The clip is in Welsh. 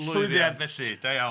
Llwyddiant, felly da iawn!